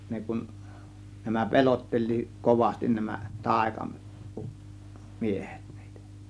ne kun nämä pelotteli kovasti nämä -- taikamiehet niitä